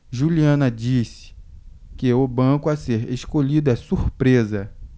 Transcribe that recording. juliana disse que o banco a ser escolhido é surpresa